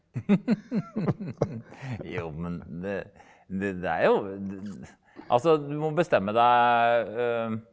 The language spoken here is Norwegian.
jo men det det det er jo altså du må bestemme deg .